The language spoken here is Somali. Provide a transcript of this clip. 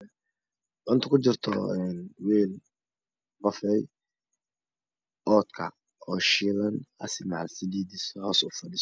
Cunto ku jirto weel kafey ookac oo shiilan asi macal saliidiisa hoos u fadhiso